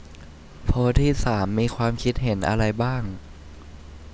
โพสต์ที่สามมีความคิดเห็นอะไรบ้าง